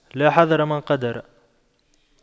لا حذر من قدر